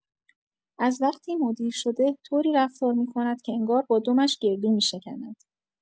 از وقتی مدیر شده، طوری رفتار می‌کند که انگار با دمش گردو می‌شکند.